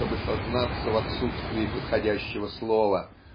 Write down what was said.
чтобы сознаться в отсутствии подходящего слова